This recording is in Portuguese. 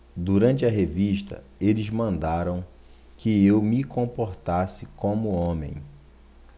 durante a revista eles mandaram que eu me comportasse como homem